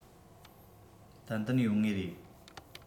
ཏན ཏན ཡོང ངེས རེད